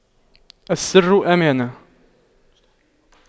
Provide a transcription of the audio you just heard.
السر أمانة